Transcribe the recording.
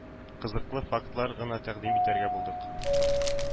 Кызыклы фактлар гына тәкъдим итәргә булдык.